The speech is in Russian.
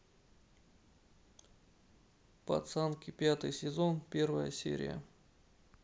пацанки пятый сезон первая серия